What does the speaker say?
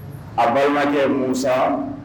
A balimakɛ mun sa